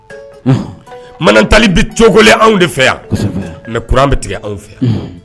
Bamanantali bɛ cogoko anw de fɛ yan mɛ kuran an bɛ tigɛ anw fɛ yan